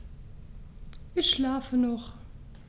Ich schlafe noch.